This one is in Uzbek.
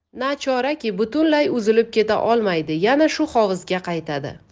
nachoraki butunlay uzilib keta olmaydi yana shu hovuzga qaytadi